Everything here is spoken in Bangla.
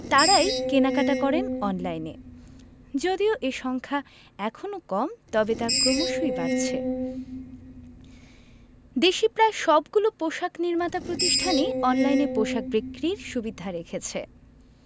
তাঁরাই কেনাকাটা করেন অনলাইনে যদিও এ সংখ্যা এখনো কম তবে ক্রমশই তা বাড়ছে দেশি প্রায় সবগুলো পোশাক নির্মাতা প্রতিষ্ঠানই অনলাইনে পোশাক বিক্রির সুবিধা রেখেছে